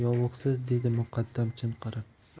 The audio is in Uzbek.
yuvuqsiz dedi muqaddam chinqirib